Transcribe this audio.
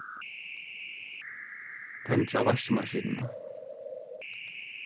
tendra vaskimaskinuna